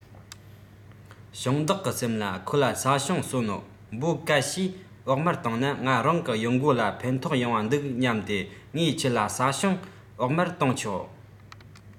ཞིང བདག གི སེམས ལ ཁོ ལ ས ཞིང སོན འབོ ག ཤས བོགས མར བཏང ན ང རང གི ཡོང སྒོ ལ ཕན ཐོགས ཡོང བ འདུག སྙམ སྟེ ངས ཁྱེད ལ ས ཞིང བོགས མར བཏང ཆོག